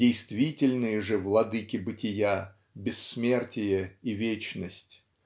действительные же владыки бытия - бессмертие и вечность.